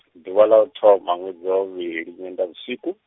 ḓuvha ḽa u thoma ṅwedzi wa vhuvhili nyendavhusiku.